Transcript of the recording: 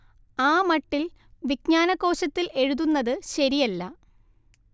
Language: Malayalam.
ആ മട്ടിൽ വിജ്ഞാനകോശത്തിൽ എഴുതുന്നത് ശരിയല്ല